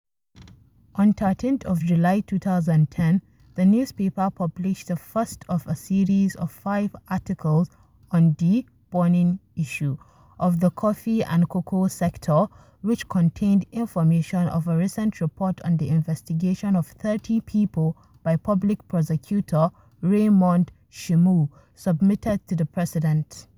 On 13th of July, 2010 the newspaper published the first of a series of five articles on the “burning issue” of the coffee and cocoa sector which contained information of a recent report on the investigation of 30 people by public prosecutor Raymond Tchimou submitted to the president.